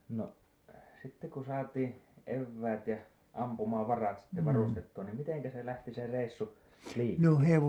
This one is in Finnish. no sitten kun saatiin eväät ja ampumavarat sitten varustettua niin miten se lähti se reissu liikkeelle